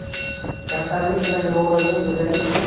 kamtarlik bilan yo'g'rilgan go'zallikkina